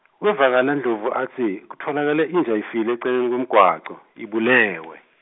wevakala Ndlovu atsi kutfolakele inja ifile eceleni kwemgwaco Ibulewe.